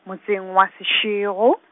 motseng wa Seshego.